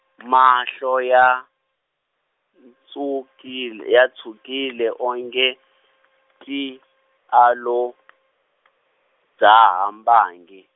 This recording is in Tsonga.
mahlo ya, ntswukil- ya tshukile o nge, ti, a lo, dzaha mbangi.